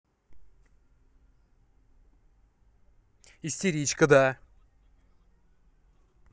истеричка да